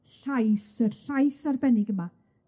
llais, y llais arbennig yma.